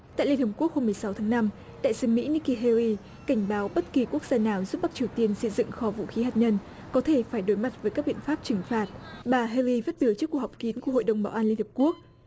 tại liên hiệp quốc hôm mười sáu tháng năm đại sứ mỹ ních ki ha li cảnh báo bất kỳ quốc gia nào giúp bắc triều tiên xây dựng kho vũ khí hạt nhân có thể phải đối mặt với các biện pháp trừng phạt bà he li phát biểu trước cuộc họp kín của hội đồng bảo an liên hiệp quốc